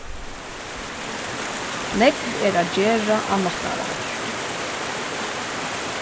nógv er at gera á náttarvakt